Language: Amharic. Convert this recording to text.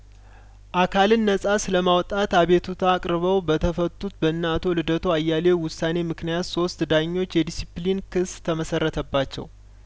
አካልን ነጻ ስለማውጣት አቤቱታ አቅርበው በተፈቱት በእነ አቶ ልደቱ አያሌው ውሳኔምክንያት ሶስት ዳኞች የዲስፕሊን ክስ ተመሰረተባቸው